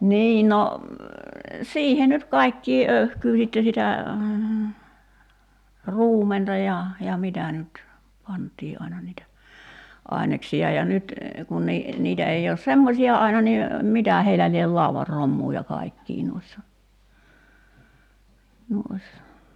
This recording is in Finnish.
niin no siihen nyt kaikkea öyhkyä sitten sitä ruumenta ja ja mitä nyt pantiin aina niitä aineksia ja nyt kun - niitä ei ole semmoisia aina niin mitä heillä lie laudan romua ja kaikkia noissa noissa